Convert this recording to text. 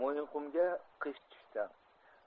mo'yinqumga qish tushdi